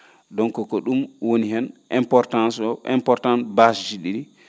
donc que ko ?uum woni heen importance o important bache ji ?ii